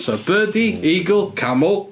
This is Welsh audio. So, Birdie, Eagle, Camel.